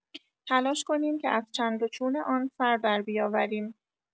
تلاش کنیم که از چند و چون آن سر دربیاوریم.